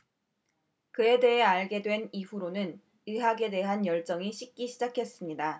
그에 대해 알게 된 이후로는 의학에 대한 열정이 식기 시작했습니다